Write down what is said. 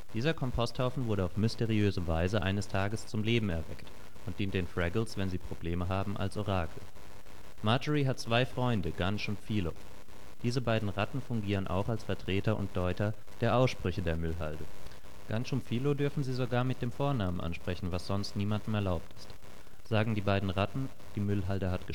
Dieser Komposthaufen wurde auf mysteriöse Weise eines Tages zum Leben erweckt und dient den Fraggles, wenn sie Probleme haben, als Orakel. Marjorie hat zwei Freunde: Gunge und Philo. Diese beiden Ratten fungieren auch als Vertreter und Deuter der Aussprüche der Müllhalde. Gunge und Philo dürfen sie sogar mit dem Vornamen ansprechen, was sonst niemandem erlaubt ist. Sagen die beiden Ratten „ Die Müllhalde hat gesprochen